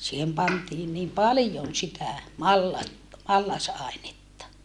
siihen pantiin niin paljon sitä - mallasainetta